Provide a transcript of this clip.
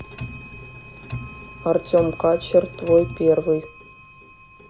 артем качер твой первый